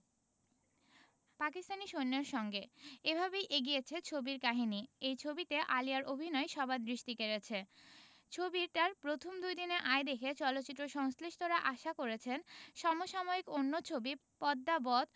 পাকিস্তানী সৈন্যের সঙ্গে এভাবেই এগিয়েছে ছবির কাহিনী এই ছবিতে আলিয়ার অভিনয় সবার দৃষ্টি কেড়েছে ছবিটার প্রথম দুইদিনের আয় দেখে চলচ্চিত্র সংশ্লিষ্টরা আশা করেছেন সম সাময়িক অন্যান্য ছবি পদ্মাবত